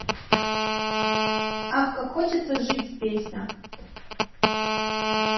ах как хочется жить песня